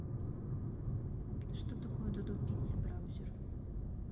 что такое додо пицца браузер